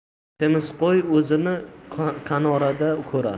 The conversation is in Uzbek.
semiz qo'y o'zini kanorada ko'rar